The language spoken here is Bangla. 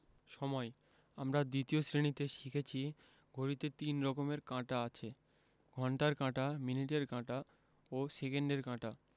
সময়ঃ আমরা ২য় শ্রেণিতে শিখেছি ঘড়িতে ৩ রকমের কাঁটা আছে ঘণ্টার কাঁটা মিনিটের কাঁটা ও সেকেন্ডের কাঁটা